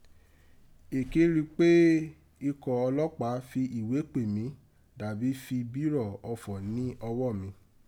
Èké rin pe ikọ̀ ọlọ́pàá fi ìwé pè mí dàbí fi bírọ̀ ọfọ̀ ni ọwọ́ mi.